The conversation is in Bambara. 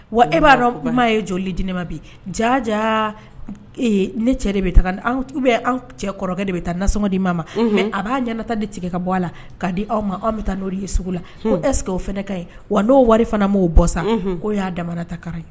Wa e b'a dɔn' ye joli di ne ma bi jaja ne cɛ de bɛ bɛ cɛ kɔrɔkɛ de bɛ taa nassɔn di ma ma mɛ a b'a ɲɛnata ne tigɛ ka bɔ a la k kaa di aw ma anw bɛ taa n'o ye sugu la eseke o fana ka ye wa n'o wari fana mɔgɔwo bɔ sa k'o y'a da ta kara ye